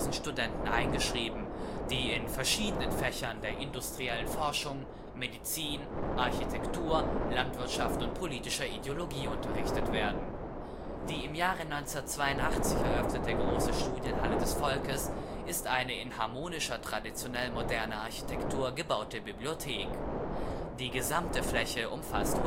Studenten eingeschrieben, die in verschiedenen Fächern der industriellen Forschung, Medizin, Architektur, Landwirtschaft und politischer Ideologie unterrichtet werden. Die im Jahre 1982 eröffnete Große Studienhalle des Volkes ist eine in harmonischer traditionell-moderner Architektur gebaute Bibliothek. Die gesamte Fläche umfasst